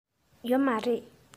ཡོད མ རེད